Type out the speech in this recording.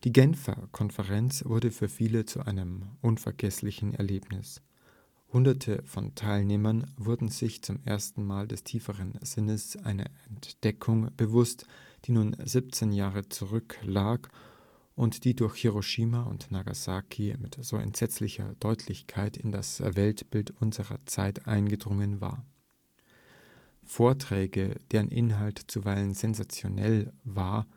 Genfer Konferenz wurde für viele zu einem unvergeßlichen Erlebnis. Hunderte von Teilnehmern wurden sich zum ersten Mal des tieferen Sinnes einer Entdeckung bewusst, die nun 17 Jahre zurücklag und die durch Hiroshima und Nagasaki mit so entsetzlicher Deutlichkeit in das Weltbild unserer Zeit eingedrungen war. […] Vorträge, deren Inhalt zuweilen sensationell war